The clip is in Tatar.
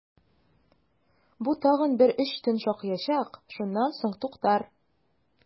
Бу тагын бер өч төн шакыячак, шуннан соң туктар!